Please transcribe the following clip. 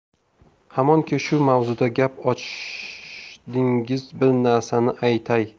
hamonki shu mavzuda gap ochdingiz bir narsani aytay